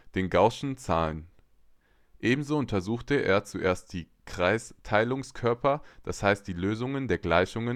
den gaußschen Zahlen. Ebenso untersuchte er zuerst die Kreisteilungskörper, d. h. die Lösungen der Gleichung